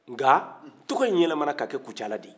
nka tɔgɔ in yɛlɛmana ka kɛ kucala de ye